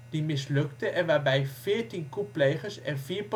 die mislukte en waarbij veertien coupplegers en vier